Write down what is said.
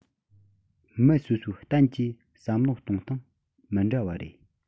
མི སོ སོའི གཏན གྱི བསམ བློ གཏོང སྟངས མི འདྲ བ རེད